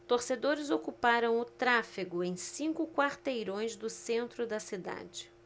torcedores ocuparam o tráfego em cinco quarteirões do centro da cidade